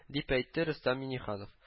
Дип әйтте рөстәм миңнеханов